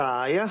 Da ia?